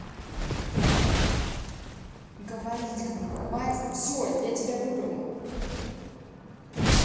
говорить говорю хватит все я тебя выбрала